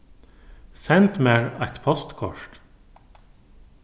send mær eitt postkort